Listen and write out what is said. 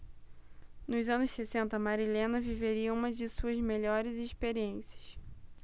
nos anos sessenta marilena viveria uma de suas melhores experiências